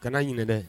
Kana ɲin dɛ